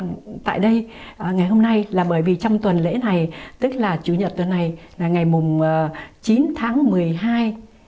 tại đây ngày hôm nay là bởi vì trong tuần lễ này tức là chủ nhật tuần này là ngày mùng chín tháng mười hai